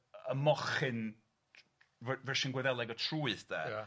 y mochyn fyr- fersiwn Gwyddeleg o trwyth de. Ia.